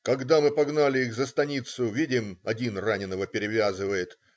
Когда мы погнали их за станицу, видим, один раненого перевязывает.